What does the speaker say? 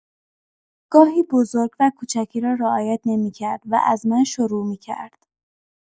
گاهی بزرگ و کوچکی را رعایت نمی‌کرد و از من شروع می‌کرد.